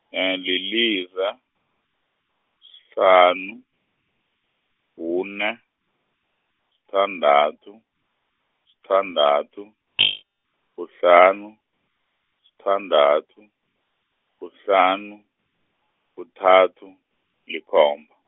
lilize, sihlanu, kunye, sithandathu, sithandathu , kuhlanu, sithandathu, kuhlanu, kuthathu, likhomba.